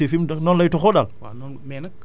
donc ñebe bi aussi fim noonu lay toxoo daal